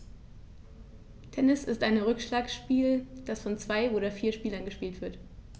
Tennis ist ein Rückschlagspiel, das von zwei oder vier Spielern gespielt wird.